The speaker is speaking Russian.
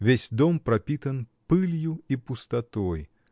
Весь дом пропитан пылью и пустотой.